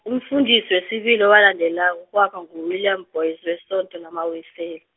umfundisi sibili owalandelako, kwaba ngu- William Boyce, wesondo lamaWese-.